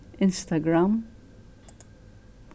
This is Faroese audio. instagram